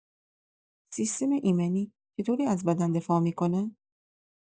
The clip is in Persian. سیستم ایمنی چطوری از بدن دفاع می‌کنه؟